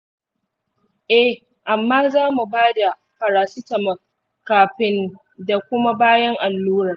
eh, amma za mu ba da paracetamol kafin da kuma bayan allurar.